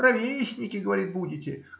Ровесники, говорит, будете.